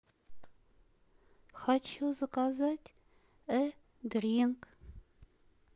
хочу заказать э дринк